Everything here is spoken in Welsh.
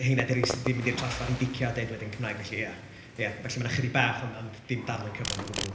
Heina di'r rhei sy 'di mynd i'r trafferth i dicio a deud wedyn Cymraeg. Felly ia, ia felly ma' 'na chydig bach, ond ond dim darlun cyflawn o gwbl.